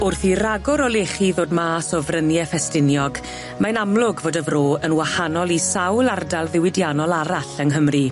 Wrth i ragor o lechi ddod mas o frynie Ffestiniog mae'n amlwg fod y fro yn wahanol i sawl ardal ddiwydiannol arall yng Nghymru.